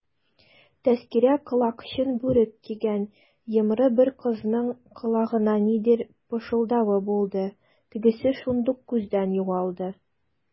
Тәзкирә колакчын бүрек кигән йомры бер кызның колагына нидер пышылдавы булды, тегесе шундук күздән югалды.